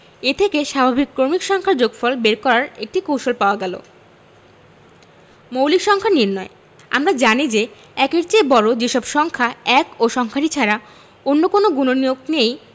এ থেকে স্বাভাবিক ক্রমিক সংখ্যার যোগফল বের করার একটি কৌশল পাওয়া গেল মৌলিক সংখ্যা নির্ণয় আমরা জানি যে ১ এর চেয়ে বড় যে সব সংখ্যা ১ ও সংখ্যাটি ছাড়া অন্য কোনো গুণনীয়ক নেই